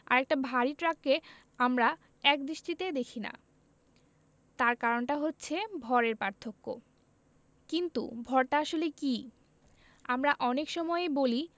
আর একটা ভারী ট্রাককে আমরা একদৃষ্টিতে দেখি না তার কারণটা হচ্ছে ভরের পার্থক্য কিন্তু ভরটা আসলে কী আমরা অনেক সময়েই বলি